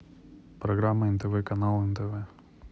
программа нтв канал нтв